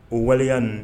O waleya nin